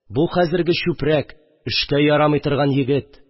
Бу хәзерге чүпрәк, эшкә ярамый торган егет